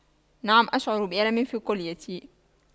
نعم أشعر بألم في كليتي